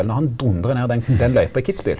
når han dundrar ned den den løypa i Kitzbühel.